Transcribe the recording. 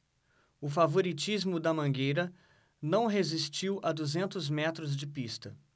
o favoritismo da mangueira não resistiu a duzentos metros de pista